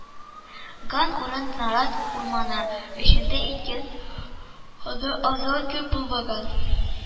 Ган урын нарат урманы эчендә икән, анда озон күп булган